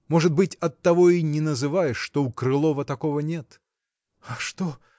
Может быть, оттого и не называешь, что у Крылова такого нет. – А что?